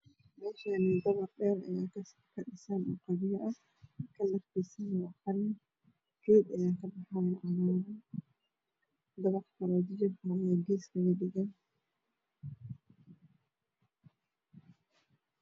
Meshan dabaq dheer aya kadhisan oo qabyo ah kalarkis waa qalin geed aya kabaxayo cagaran dabaq kalo jajaban aya gees uga dhegan